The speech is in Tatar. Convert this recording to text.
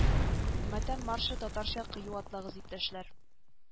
Матәм маршы татарча кыю атлагыз иптәшләр